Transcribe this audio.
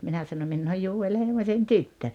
minä sanoin minä olen Joel Heimosen tyttö